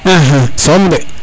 axa soom de